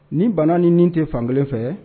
Nin bana ni ni tɛ fankelen fɛ.